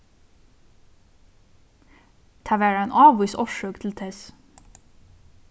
tað var ein ávís orsøk til tess